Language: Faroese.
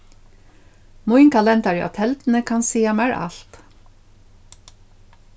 mín kalendari á telduni kann siga mær alt